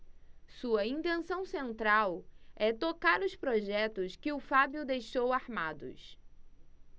sua intenção central é tocar os projetos que o fábio deixou armados